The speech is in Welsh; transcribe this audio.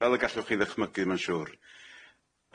Fel y gallwch chi ddychmygu ma'n siŵr.